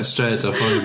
Straight ar ffôn...